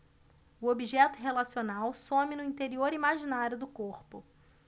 o objeto relacional some no interior imaginário do corpo